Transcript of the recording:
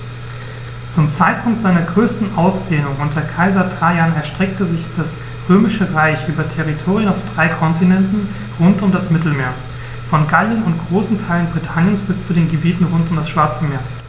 Zum Zeitpunkt seiner größten Ausdehnung unter Kaiser Trajan erstreckte sich das Römische Reich über Territorien auf drei Kontinenten rund um das Mittelmeer: Von Gallien und großen Teilen Britanniens bis zu den Gebieten rund um das Schwarze Meer.